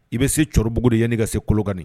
I bɛ se Jɔribugu de yani i ka se Kolokani